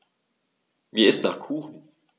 Mir ist nach Kuchen.